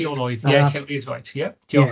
Ie rheolaidd reit ie diolch.